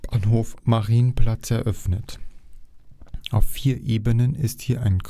S-Bahnhof Marienplatz eröffnet. Auf vier Ebenen ist hier ein